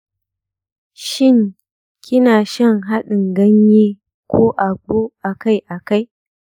shin kina shan hadin ganye ko agbo akai-akai?